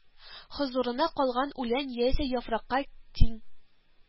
Хозурына калган үлән яисә яфракка тиң